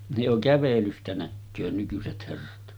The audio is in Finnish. ne jo kävelystä näkee nykyiset herrat